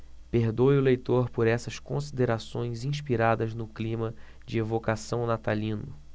perdoe o leitor por essas considerações inspiradas no clima de evocação natalino